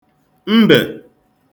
mbè